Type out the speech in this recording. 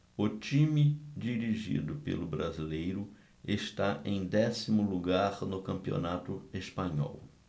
o time dirigido pelo brasileiro está em décimo lugar no campeonato espanhol